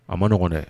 A ma nɔgɔn dɛ!